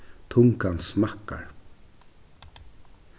tungan smakkar